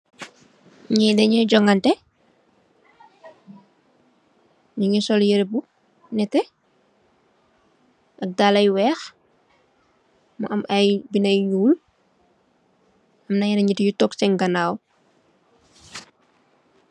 Ñii daggèè jongateh ñu ngi sol yirèh bu netteh ak dalla yu wèèx mu am ay bindé yu ñuul am na yenen nit yu tóóg seen ganaw.